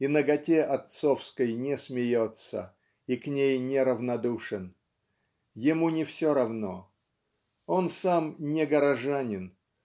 и наготе отцовской не смеется и к ней не равнодушен. Ему не все равно. Он сам не горожанин